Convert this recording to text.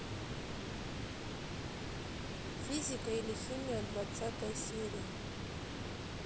физика или химия двадцатая серия